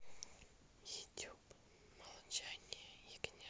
ютуб молчание ягнят